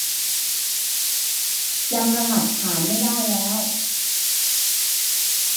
จำรหัสผ่านไม่ได้แล้ว